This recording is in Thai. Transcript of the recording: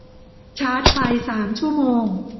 ชาร์จไฟสามชั่วโมง